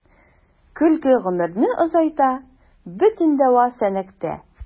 Көлке гомерне озайта — бөтен дәва “Сәнәк”тә.